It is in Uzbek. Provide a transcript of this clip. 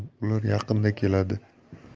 qildim ular yaqinda keladi